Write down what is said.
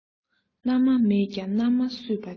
མནའ མ མེད ཀྱང མནའ མ བསུས པས ཆོག